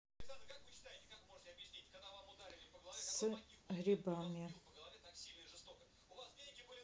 с грибами